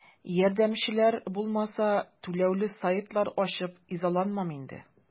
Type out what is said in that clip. Ярдәмчеләр булмаса, түләүле сайтлар ачып изаланмам инде.